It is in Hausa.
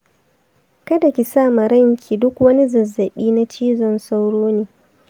ka da ki sa ma ranki duk wani zazzaɓi na cizon sauro ne.